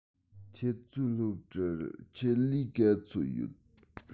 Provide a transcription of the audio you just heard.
ཁྱོད ཚོའི སློབ གྲྭར ཆེད ལས ག ཚོད ཡོད